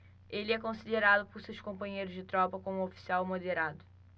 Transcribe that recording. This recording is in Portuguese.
ele é considerado por seus companheiros de tropa como um oficial moderado